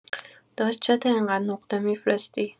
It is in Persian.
داش چته اینقد نقطه می‌فرستی؟